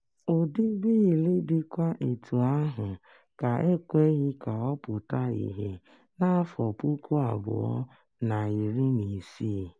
Ụdị bịịlụ dịkwa etu ahụ ka e kweghị ka ọ pụta ìhè n'afọ 2016.